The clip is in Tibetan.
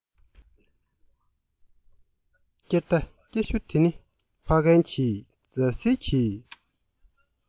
སྐྱེར མདའ སྐྱེར གཞུ དེ ནི ཕ རྒན གྱིས རྫ སིལ གྱི